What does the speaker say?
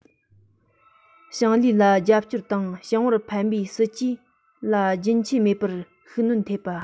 ཞིང ལས ལ རྒྱབ སྐྱོར དང ཞིང པར ཕན པའི སྲིད ཇུས ལ རྒྱུན ཆད མེད པར ཤུགས སྣོན ཐེབས པ